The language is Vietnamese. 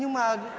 nhưng mà